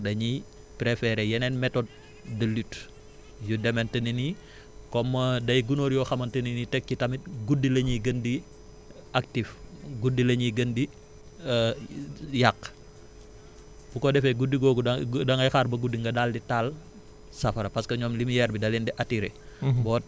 moo tax dañuy préférer yeneen méthode de lutte yu demante ne ni comme day gunóor yoo xamante ne ni teg ci tamit guddi la ñuy gën di actifs guddi la ñuy gën di yàq bu ko defee guddi googu da da ngay xaar ba guddi nga daal di taal safara parce que ñoom lumière fra bi da leen di attirer